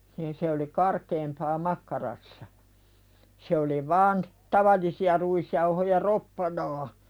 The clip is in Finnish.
niin se oli karkeampaa makkarassa se oli vain tavallisia ruisjauhoja roppanaa